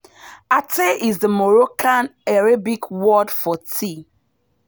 Atay is the Moroccan Arabic word for tea.